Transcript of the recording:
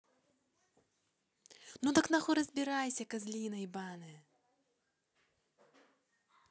ну дак нахуй разбирайся козлина ебаная